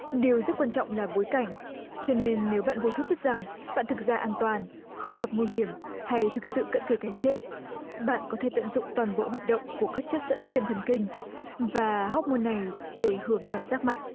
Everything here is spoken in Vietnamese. điều rất quan trọng là bối cảnh cho nên nếu bạn vô thức biết rằng bạn thực ra an toàn không gặp nguy hiểm hay thực sự cận kề cái chết bạn có thể tận dụng toàn bộ hoạt động của các chất dẫn truyền thần kinh và hóc môn này để hưởng cảm giác mạnh